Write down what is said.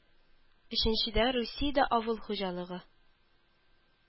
Өченчедән, Русиядә авыл хуҗалыгы